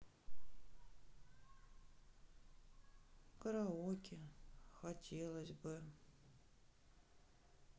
караоке хотелось бы